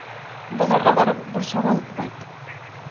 Базарга барып, борчак алып кайт.